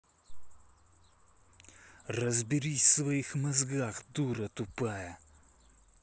разберись в своих мозгах дура тупая